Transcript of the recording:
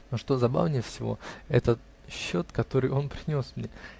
но что забавнее всего -- это счет, который он принес мне.